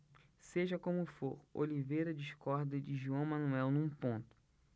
seja como for oliveira discorda de joão manuel num ponto